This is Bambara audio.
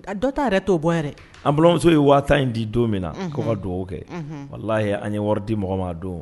Dɔ ta yɛrɛ' bɔ yɛrɛ an balimalɔmuso ye waa in di don min na kɔ ka dugawu kɛ wala an ye wari di mɔgɔ ma don